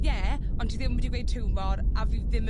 ie, ond ti ddim wedi gweud tiwmor a fi ddim...